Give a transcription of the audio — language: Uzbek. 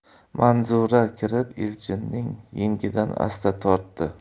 manzura kirib elchinning yengidan asta tortdi